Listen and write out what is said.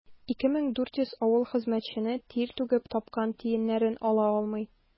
2400 авыл хезмәтчәне тир түгеп тапкан тиеннәрен ала алмый.